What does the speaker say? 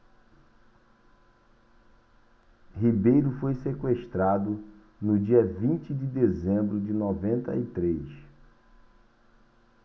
ribeiro foi sequestrado no dia vinte de dezembro de noventa e três